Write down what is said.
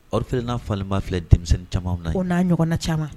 Ofi n'a falen filɛ denmisɛnnin caman na ko n'a ɲɔgɔnna caman